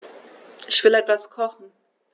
Ich will etwas kochen.